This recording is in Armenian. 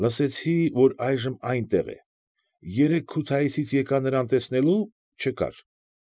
Լսեցի, որ այժմ այնտեղ է։ Երեկ Քութայիսից եկա նրան տեսնելու, չկար։